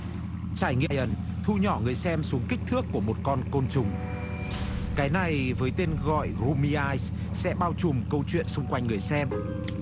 trải nghiệm thu nhỏ người xem xuống kích thước của một con côn trùng cái này với tên gọi gu mi ai sẽ bao trùm câu chuyện xung quanh người xem